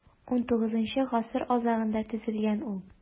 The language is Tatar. XIX гасыр азагында төзелгән ул.